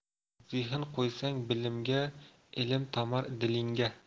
zehn qo'ysang bilimga ilm tomar dilingga